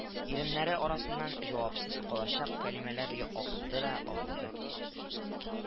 Иреннәре арасыннан җавапсыз калачак кәлимәләр агылды да агылды